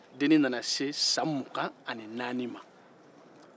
dennin nana se san mugan ni naani ma